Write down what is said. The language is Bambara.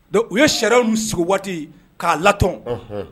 Don u ye sɛw sigi waati k'a laton